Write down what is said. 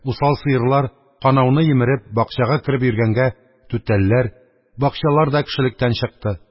Усал сыерлар, канауны йимереп, бакчага кереп йөргәнгә, түтәлләр, бакчалар да кешелектән чыкты.